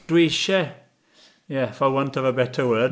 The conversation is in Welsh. Dwi isie... Ie, *for want of a better word.